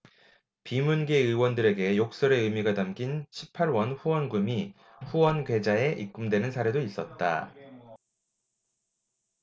비문계 의원들에게 욕설의 의미가 담긴 십 팔 원 후원금이 후원 계좌에 입금되는 사례도 있었다